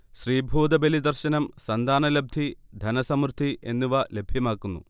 ശ്രീഭൂതബലി ദർശനം സന്താനലബ്ധി, ധനസമൃദ്ധി എന്നിവ ലഭ്യമാക്കുന്നു